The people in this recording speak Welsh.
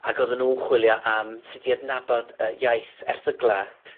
...ag oeddyn nw' n chwilio am sud i adnabod yy iaith erthygla